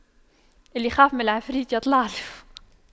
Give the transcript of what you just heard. اللي يخاف من العفريت يطلع له